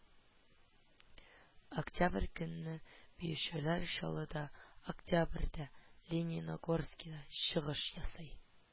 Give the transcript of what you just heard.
Октябрь көнне биючеләр чаллыда, октябрьдә лениногорскида чыгыш ясый